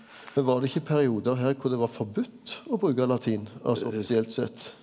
men var det ikkje periodar her kor det var forbydt å bruka latin altså offisielt sett?